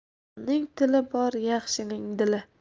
yomonning tili bor yaxshining dili